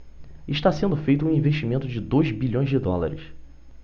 está sendo feito um investimento de dois bilhões de dólares